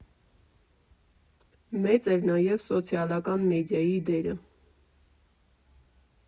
Մեծ էր նաև սոցիալական մեդիայի դերը։